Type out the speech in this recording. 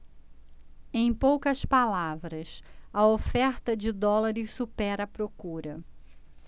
em poucas palavras a oferta de dólares supera a procura